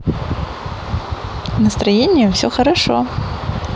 настроение все хорошо